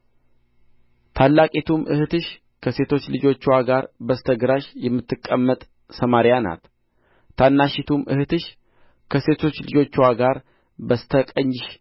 ታላቂቱም እኅትሽ ከሴቶች ልጆችዋ ጋር በስተ ግራሽ የምትቀመጥ ሰማርያ ናት ታናሺቱም እኅትሽ ከሴቶች ልጆችዋ ጋር በስተ ቀኝሽ